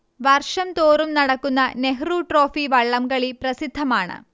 വർഷം തോറും നടക്കുന്ന നെഹ്രു ട്രോഫി വള്ളംകളി പ്രസിദ്ധമാണ്